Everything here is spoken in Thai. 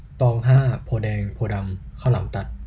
ตองห้าโพธิ์แดงโพธิ์ดำข้าวหลามตัด